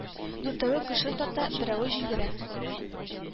Дүртәве көшел тарта, Берәве җилгерә